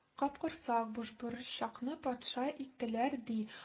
Капкорсак — Бушборчакны патша иттеләр, ди